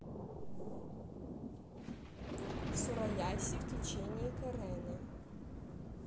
сураяси в течение карена